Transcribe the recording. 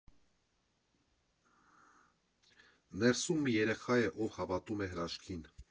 Ներսում մի երեխա է, ով հավատում է հրաշքին.